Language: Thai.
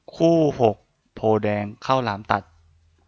คู่หกโพธิ์แดงข้าวหลามตัด